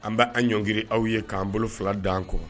An bɛ angkiri aw ye k'an bolo fila d'an kɔ